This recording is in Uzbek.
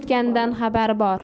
sotgandan xabari bor